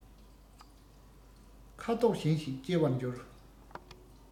ཁ དོག གཞན ཞིག སྐྱེ བར འགྱུར